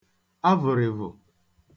avụ̀rị̀vụ̀